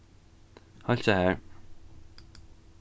heilsa har